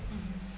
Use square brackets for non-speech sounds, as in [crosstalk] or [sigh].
[hesitation] [hesitation]